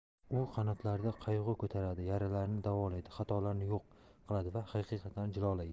u qanotlarida qayg'u ko'taradi yaralarni davolaydi xatolarni yo'q qiladi va haqiqatlarni jilolaydi